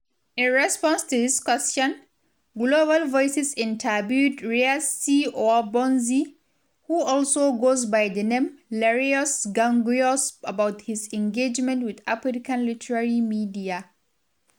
In response to this question, Global Voices interviewed Réassi Ouabonzi, who also goes by the name Lareus Gangoueus about his engagement with African literary media.